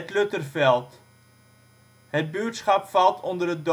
Lutterveld. Het buurtschap valt onder